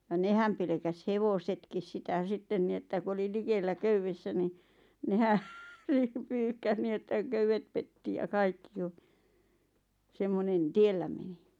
ja nehän pelkäsi hevosetkin sitä sitten niin että kun oli likellä köydessä niin nehän niin pyyhkäisi niin että köydet petti ja kaikki ja semmoinen tiellä meni